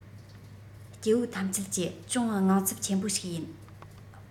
སྐྱེ བོ ཐམས ཅད ཀྱིས ཅུང དངངས ཚབ ཆེན པོ ཞིག ཡིན